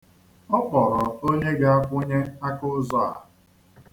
Ọ kpọrọ onye ga-akwụnye aka ụzọ a.